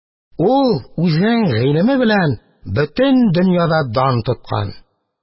Ул үзенең гыйлеме белән бөтен дөньяда дан тоткан.